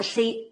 Felly,